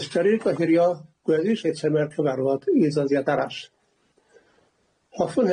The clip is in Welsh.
ystyrir gohirio, gweddill eitemau'r cyfarfod i ddyddiad arall. Hoffwn